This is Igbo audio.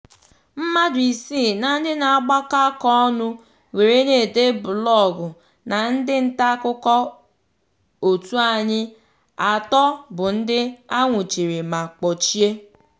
Mmadụ isii na ndị na-agbakọ aka ọnụ were na-ede blọọgụ na ndị nta akụkọ òtù anyị atọ bụ ndị anwụchiri ma kpọchie.